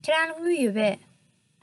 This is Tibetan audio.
ཁྱེད རང ལ དངུལ ཡོད པས